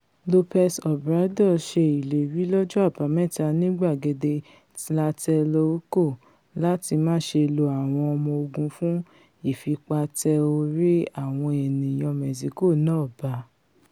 Lopez Obrador ṣe ìlérí lọ́jọ́ Àbámẹta nì Gbàgede Tlatelolco láti ''máṣe lo àwọn ọmọ ogun fún ìfipatẹ-orí àwọn ènìyàn Mẹ́ṣíkò náà ba.''